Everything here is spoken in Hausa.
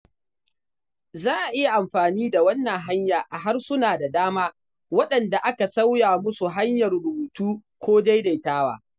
Za a iya amfani da wannan hanya a harsuna da dama waɗanda aka sauya musu hanyar rubutu ko daidaitawa.